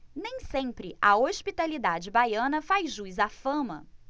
nem sempre a hospitalidade baiana faz jus à fama